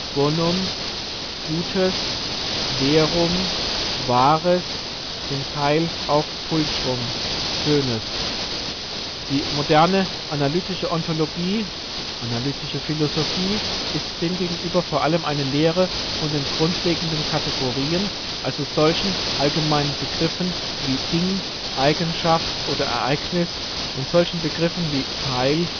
bonum (Gutes), verum (Wahres), zum Teil auch pulchrum (Schönes). Die moderne analytische Ontologie (analytische Philosophie) ist demgegenüber vor allem eine Lehre von den grundlegenden Kategorien, also solchen (allgemeinen) Begriffen wie Ding, Eigenschaft oder Ereignis und solchen Begriffen wie Teil